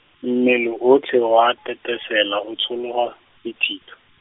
mmele otlhe wa tetesela o tshologa, sethitho.